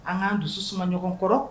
An k'an dusu suma ɲɔgɔn kɔrɔ.